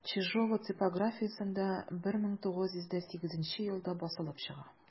Чижова типографиясендә 1908 елда басылып чыга.